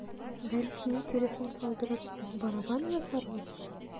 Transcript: Бәлки, тиресен салдырып, барабан ясарбыз?